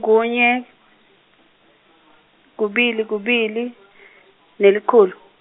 kunye, kubili, kubili, nelikhulu.